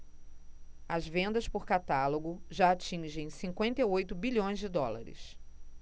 as vendas por catálogo já atingem cinquenta e oito bilhões de dólares